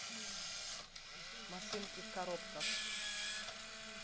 машинки в коробках